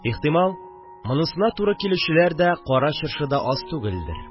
Ихтимал, монысына туры килүчеләр дә Кара Чыршыда аз түгелдер